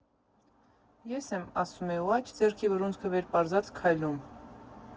Ես եմ՝ ասում է ու, աջ ձեռքի բռունցքը վեր պարզած՝ քայլում։